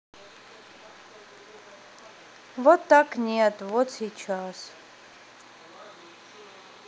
вот так нет вот сейчас